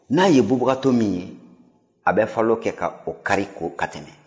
ni a ye bubaganton min ye a bɛ falo kɛ k'o kari ka tɛmɛn